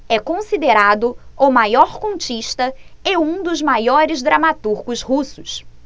é considerado o maior contista e um dos maiores dramaturgos russos